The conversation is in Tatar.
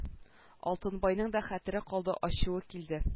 Алтынбайның да хәтере калды ачуы килде